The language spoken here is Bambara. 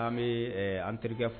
' bɛ an terikɛ fɔ